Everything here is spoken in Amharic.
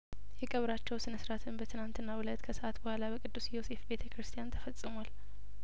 የቀብራቸው ስነስርአትም በትናንትናው እለት ከሰአት በኋላ በቅዱስ ዮሴፍ ቤተ ክርስቲያን ተፈጽሟል